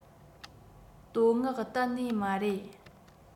བསྟོད བསྔགས གཏན ནས མ རེད